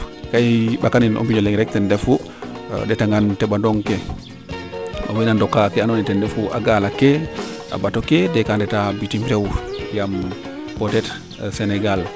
ka i mbaka nin o mbinjo leng rek ten refu o ndeeta ngaan teɓa nong ke wene ndoka ke ando naye ten refu a gaalake a bateau ke de ga ndeta bitim reew yaam peut etre Senegal